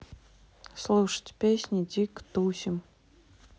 слушать песни дико тусим